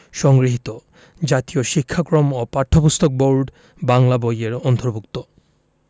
সংগৃহীত জাতীয় শিক্ষাক্রম ও পাঠ্যপুস্তক বোর্ড বাংলা বই এর অন্তর্ভুক্ত